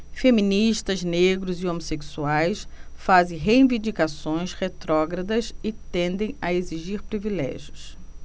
feministas negros e homossexuais fazem reivindicações retrógradas e tendem a exigir privilégios